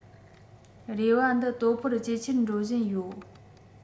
རེ བ འདི ལྟོ ཕོར ཇེ ཆེར འགྲོ བཞིན ཡོད